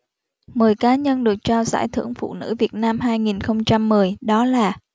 mười cá nhân được trao giải thưởng phụ nữ việt nam hai nghìn không trăm mười đó là